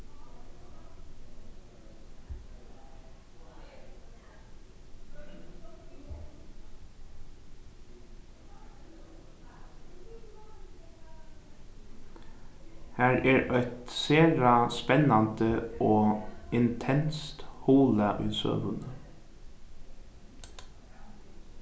har er eitt sera spennandi og intenst huglag í søguni